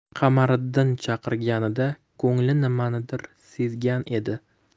qamariddin chaqirganida ko'ngli nimanidir sezgan edi